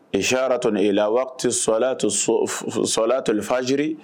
Ehrat e la waati sɔ sɔ tɔlifajiri